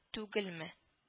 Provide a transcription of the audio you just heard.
Түгелме